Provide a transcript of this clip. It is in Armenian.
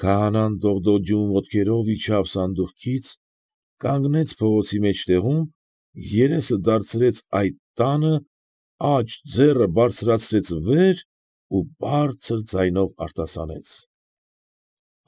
Քահանան դողդոջող ոտքերով իջավ սանդուղքից, կանգնեց, փողոցի մեջտեղում, երեսը դարձրեց այդ տանը, աջ ձեռը բարձրացրեց վեր ու բարձր ձայնով արտասանեց.